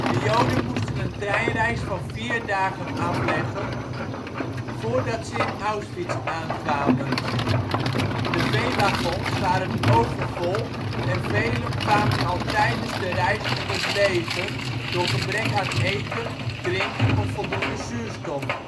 Joden moesten een treinreis van vier dagen afleggen voordat ze in Auschwitz aankwamen. De veewagons waren overvol en velen kwamen al tijdens de reis om het leven door gebrek aan eten, drinken of voldoende zuurstof